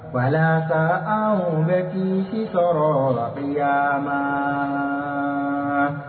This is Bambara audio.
Ba an bɛ jigin si sɔrɔ layan